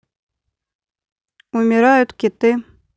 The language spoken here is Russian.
умирают киты